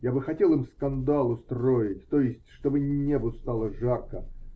Я бы хотел им скандал устроить, то есть чтобы небу стало жарко.